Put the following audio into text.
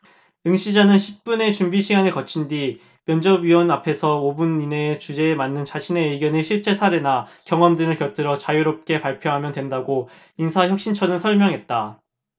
응시자는 십 분의 준비시간을 거친 뒤 면집위원 앞에서 오 분 이내에 주제에 맞는 자신의 의견을 실제사례나 경험 등을 곁들여 자유롭게 발표하면 된다고 인사혁신처는 설명했다